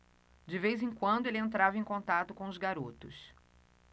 de vez em quando ele entrava em contato com os garotos